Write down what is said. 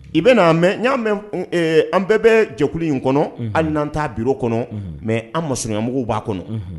I bɛna n'a mɛ n y'a mɛn an bɛɛ bɛ jɛkulu in kɔnɔ halian taa bi kɔnɔ mɛ an mayabugu b'a kɔnɔ